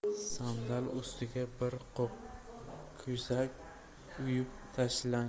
sandal ustiga bir qop ko'sak uyub tashlangan